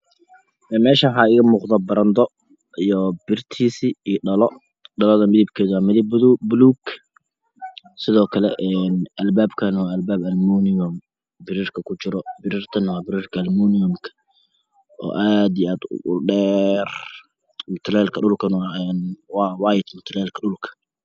Meeshaan waxaa iiga muuqda barando iyo birtiisa iyo dhalo dhalada midabkeeda waa midab buluug sidoo kale albaabkan waa albaab almuuniyam birarka ku jira birarkana waa birar almuuniyamka oo aad iyo aad u dheer mutuleelka dhulkana waa white